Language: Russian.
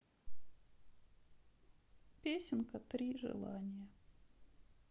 песенка три желания